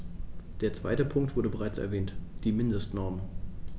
Der zweite Punkt wurde bereits erwähnt: die Mindestnormen.